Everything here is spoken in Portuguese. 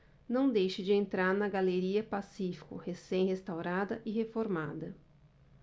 não deixe de entrar na galeria pacífico recém restaurada e reformada